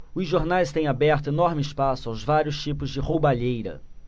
os jornais têm aberto enorme espaço aos vários tipos de roubalheira